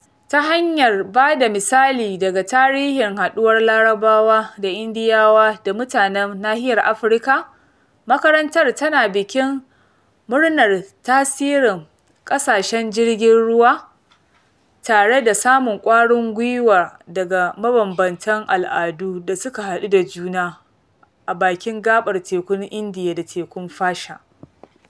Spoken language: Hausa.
Ta hanyar ba da misali daga tarihin haɗuwar Larabawa da Indiyawa da mutanen nahiyar Afirka, makarantar tana bikin murnar tasirin "ƙasashen jirgin ruwa" tare da samun ƙwarin gwiwa daga mabambamtan al'adu da suka haɗu da juna a bakin gaɓar Tekun Indiya da Tekun Fasha.